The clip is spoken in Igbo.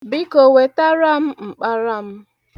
Biko wetara m mkpara m.